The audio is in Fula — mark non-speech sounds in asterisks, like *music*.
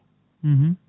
*hesitation* *hesitation*